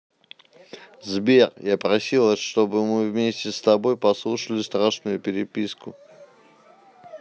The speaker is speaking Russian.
сбер я просила чтобы мы вместе с тобой послушали страшную переписку